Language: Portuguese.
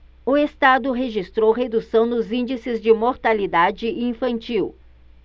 o estado registrou redução nos índices de mortalidade infantil